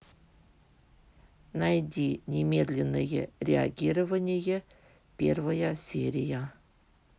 найди немедленное реагирование первая серия